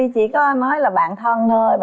huy chỉ có nói là bạn thân thôi